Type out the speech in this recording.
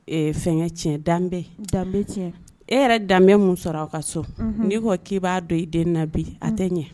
Ee fɛn tiɲɛ danbe danbe e yɛrɛ dan danbe min sɔrɔ aw ka sɔn n'i ko k'i b'a dɔn i den na bi a tɛ n ɲɛ